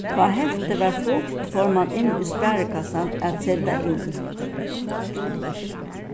tá heftið var fult fór mann inn í sparikassan at seta inn